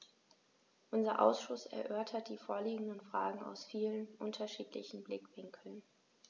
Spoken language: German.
Unser Ausschuss erörtert die vorliegenden Fragen aus vielen unterschiedlichen Blickwinkeln.